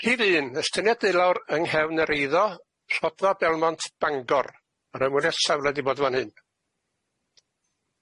Rhif un, estyniad deulawr yng nghefn yr eiddo rhodfa Belmont Bangor, yr ymweliad safle di bod fan hyn.